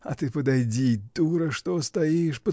— А ты подойди, дура, что стоишь?